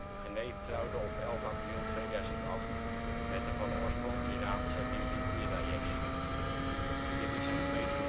Genee trouwde op 11 april 2008 met de van oorsprong Iraanse Lili Pirayesh. Dit is zijn tweede